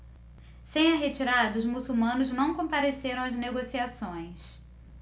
sem a retirada os muçulmanos não compareceram às negociações